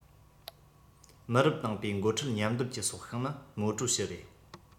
མི རབས དང པོའི འགོ ཁྲིད མཉམ སྡེབ ཀྱི སྲོག ཤིང ནི མའོ ཀྲུའུ ཞི རེད